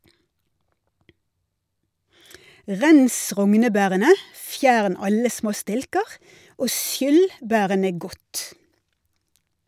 Rens rognebærene , fjern alle små stilker og skyll bærene godt.